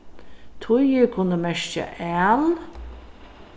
tíðir kunnu merkja æl